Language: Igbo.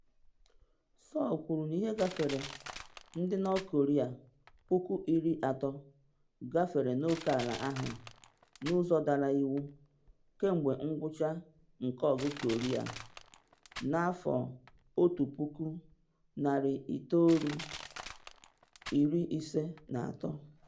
Seoul kwuru na ihe gafere ndị North Korea 30,000 gafere oke ala ahụ n’ụzọ dara iwu kemgbe ngwụcha nke Ọgụ Korea na 1953.